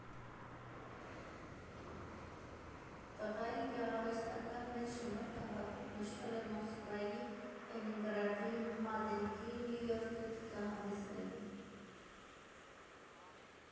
Տղայի գեղարվեստական մեծ շնորհքը հատուկ նշվել է Մոսկվայի, Լենինգրադի, Մադրիդի, Նյու Յորքի ցուցահանդեսներում»։